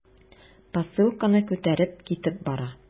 Посылканы күтәреп китеп бара.